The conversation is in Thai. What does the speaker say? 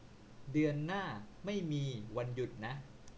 เดือนหน้าไม่มีวันหยุดนะ